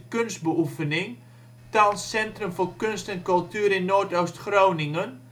Kunstbeoefening ", thans " Centrum voor Kunst en Cultuur in Noordoost Groningen